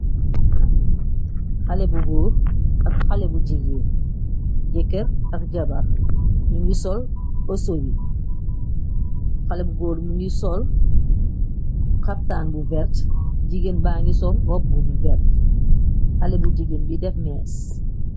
Xale bu góor ak xalé bu jigeen, jeekër ak jabar ñu ngi sol osobe, xalé bu góor mingi sol xaftaan bu vert, jigéen ba ngi sol robbu bu vert, xalé bu jigéen bi def mees.